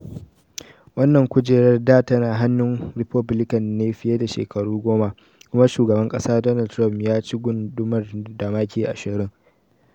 Wannan kujerar da tana hannun Republican ne fiye da shekaru goma, kuma shugaban kasa Donald Trump ya ci gundumar da maki 20.